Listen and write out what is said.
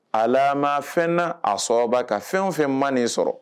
fɛn o fɛn man'i sɔrɔ